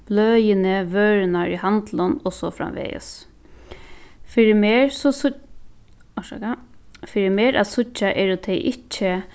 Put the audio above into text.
bløðini vørurnar í handlunum og so framvegis fyri mær orsaka fyri mær at síggja eru tey ikki